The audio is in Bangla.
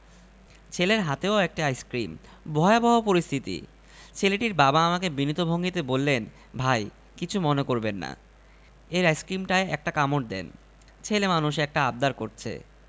তার পর শুরু হল সাংস্কৃতিক সন্ধ্যা প্রথমেই একক নৃত্যজলে কে চলেলো কার ঝিয়ারি চৌদ্দ পনেরো বছরের এক বালিকা কলসি কাঁখে উপস্থিত হল